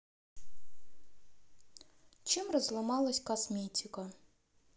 чем разломалась косметика